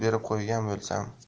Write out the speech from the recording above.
berib qo'ygan bo'lsam